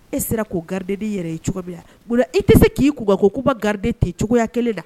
E sera k'o garide de yɛrɛ ye cogobi i tɛ se k'i ko ko k'u ka garide tɛ cogoyaya kelen la